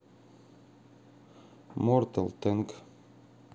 мортал тэнк